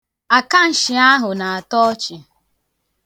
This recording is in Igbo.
Akanshị ahụ na-atọ ọchị.